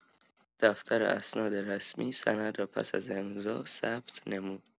دفتر اسناد رسمی سند را پس از امضا ثبت نمود.